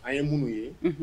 A ye mun ye